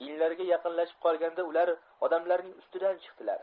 inlariga yaqinlashib qolganda ular odamlarning ustidan chiqdilar